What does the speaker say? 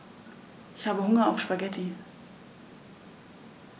Ich habe Hunger auf Spaghetti.